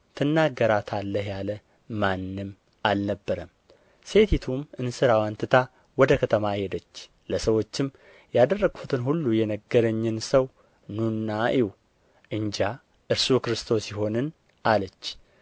ትናገራታለህ ያለ ማንም አልነበረም ሴቲቱም እንስራዋን ትታ ወደ ከተማ ሄደች ለሰዎችም ያደረግሁትን ሁሉ የነገረኝን ሰው ኑና እዩ እንጃ እርሱ ክርስቶስ ይሆንን አለች